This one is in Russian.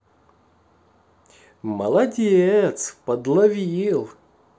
молодец подловил